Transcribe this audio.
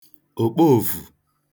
òkpoòfù